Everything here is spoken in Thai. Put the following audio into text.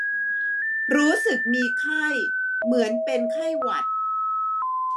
รู้สึกมีไข้เหมือนเป็นไข้หวัด